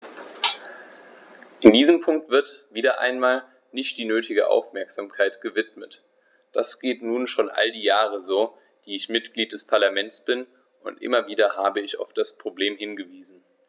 Diesem Punkt wird - wieder einmal - nicht die nötige Aufmerksamkeit gewidmet: Das geht nun schon all die fünf Jahre so, die ich Mitglied des Parlaments bin, und immer wieder habe ich auf das Problem hingewiesen.